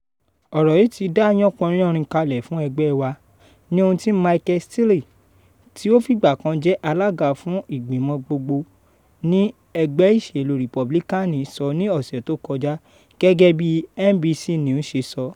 “Ọ̀rọ̀ yìí ti dá yánpọyánrin kalẹ̀ fún ẹgbẹ́ wa” ni ohun tí Michael Steele tí ó fìgbà kan jẹ́ alága fún ìgbìmọ̀ gbogbogbò ní ẹgbẹ́ ìṣèlú Rìpúbílíkáànì sọ ní ọ̀sẹ̀ tó kọjá gẹ́gẹ́ bí NBC News ṣe sọ.